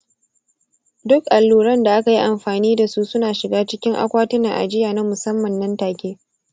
duk alluran da aka yi amfani da su suna shiga cikin akwatunan ajiya na musamman nan take.